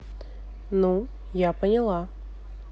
ну я поняла